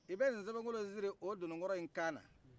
i bɛ nin sebenkolo in siri o dundunkɔrɔ in kan na